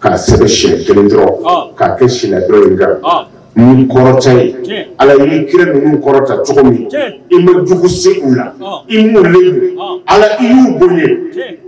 k'a se si kelen dɔrɔn k'a kɛ si dɔ in kan kɔrɔta ye ala kira dugu kɔrɔta cogo min i ma jugu se u la ilen ala i y'u bonya ye